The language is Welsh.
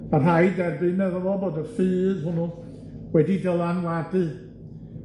a rhaid derbyn medda fo bod y ffydd hwnnw wedi dylanwadu